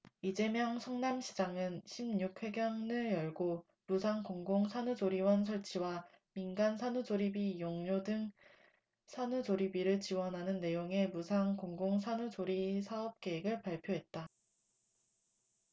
이재명 성남시장은 십 육 회견을 열고 무상 공공산후조리원 설치와 민간 산후조리비 이용료 등 산후조리비를 지원하는 내용의 무상 공공산후조리 사업계획을 발표했다